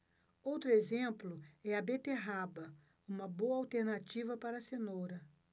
outro exemplo é a beterraba uma boa alternativa para a cenoura